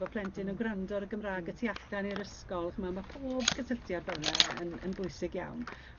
Bo' plentyn yn gwrando ar y Gymra'g y tu allan i'r ysgol ch'mo ma' pob cysylltiad fel yna yn yn bwysig iawn